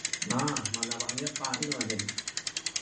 Na, ma' 'na wahanieth barn yn fan hyn.